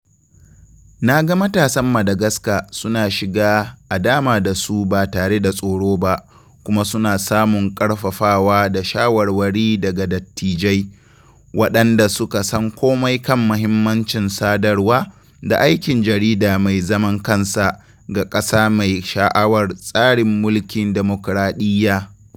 Na ga matasan Madagascar suna shiga a dama dasu ba tare da tsoro ba, kuma suna samun ƙarfafawa da shawarwari daga dattijai, waɗanda suka san komai kan mahimmancin sadarwa da aikin jarida mai zaman kansa ga ƙasa mai shawa'ar tsarin mulkin dimokuraɗiyya.